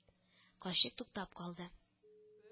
Карчык туктап калды